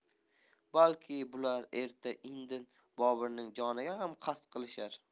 balki bular erta indin boburning joniga ham qasd qilishar